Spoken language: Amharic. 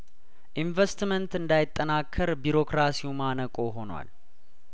ኢንቨስትመንት እንዳይጠናከር ቢሮክራሲው ማነቆ ሆኗል